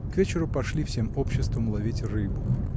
К вечеру пошли всем обществом ловить рыбу.